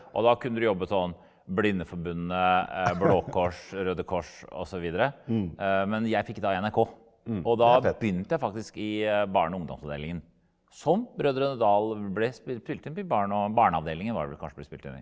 og da kunne du jobbe sånn Blindeforbundet Blå Kors Røde Kors osv. men jeg fikk da i NRK og da begynte jeg faktisk i barne- og ungdomsavdelingen som Brødrene Dal ble spilt inn til barn og barneavdelingen var det vel kanskje det ble spilt inn i.